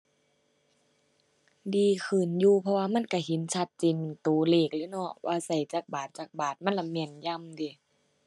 ดีขึ้นอยู่ เพราะว่ามันก็เห็นชัดเจนก็เลขเลยเนาะ ว่าใซ้จักบาท จักบาท มันละแม่นยำเดะ